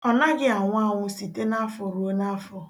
Ọ naghị anwụanwụ site n'afọ ruo n'afọ